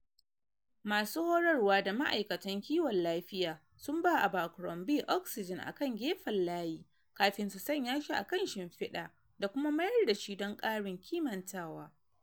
Masu horarwa da ma'aikatan kiwon lafiya sun ba Abercrombie oxygen a kan gefen layi kafin su sanya shi a kan shimfiɗa da kuma mayar da shi don ƙarin kimantawa.